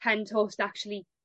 pen tost actually